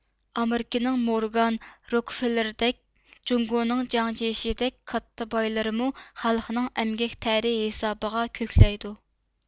ئامېرىكىنىڭ مورگان روكفېللېردەك جۇڭگونىڭ جياڭجيېشىدەك كاتتا بايلىرىمۇ خەلقنىڭ ئەمگەك تەرى ھېسابىغا كۆكلەيدۇ